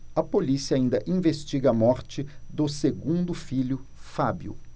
a polícia ainda investiga a morte do segundo filho fábio